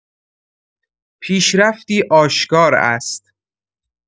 پیشرفتی آشکار است.